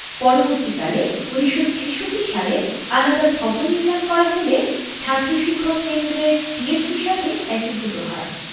পরবর্তীকালে ১৯৬৬ সালে আলাদা ভবন নির্মাণ করা হলে ছাত্র শিক্ষক কেন্দ্রের টিএসসি সাথে একীভূত হয়